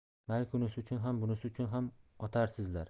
balki unisi uchun ham bunisi uchun ham otarsizlar